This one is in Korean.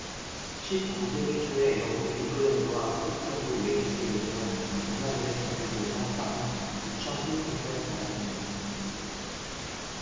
십 구 세기 초에 영국 잉글랜드와 스코틀랜드 웨일스에 있던 운하들의 길이를 모두 합하면 육천 킬로미터에 달했습니다